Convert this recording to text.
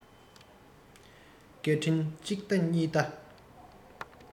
སྐད འཕྲིན གཅིག ལྟ གཉིས ལྟ